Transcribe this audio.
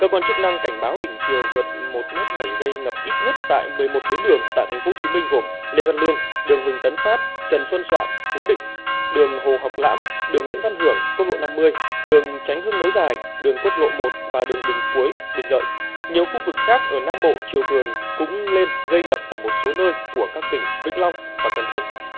cơ quan chức năng cảnh báo đỉnh triều vượt một mét bảy gây ngập ít nhất tại mười một tuyến đường tại thành phố hồ chí minh gồm lê văn lương đường huỳnh tấn phát trần xuân soạn phú định đường hồ học lãm đường nguyễn văn hưởng quốc lộ năm mươi đường chánh hưng nối dài đường quốc lộ một và đường bình cuối bình lợi nhiều khu vực khác ở nam bộ triều cường cũng lên gây ngập ở một số nơi của các tỉnh vĩnh long và cần thơ